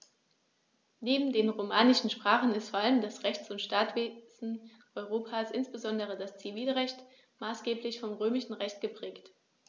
Neben den romanischen Sprachen ist vor allem das Rechts- und Staatswesen Europas, insbesondere das Zivilrecht, maßgeblich vom Römischen Recht geprägt.